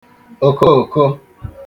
òkoòko